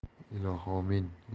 ilohi omi in